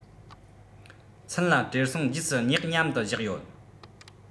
ཚུན ལ བྲེལ སོང རྗེས སུ བསྙེགས མཉམ དུ བཞག ཡོད